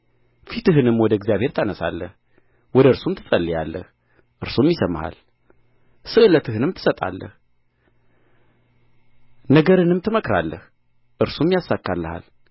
ፊትህንም ወደ እግዚአብሔር ታነሣለህ ወደ እርሱም ትጸልያለህ እርሱም ይሰማሃል ስእለትህንም ትሰጣለህ ነገርንም ትመክራለህ እርሱም ይሳካልሃል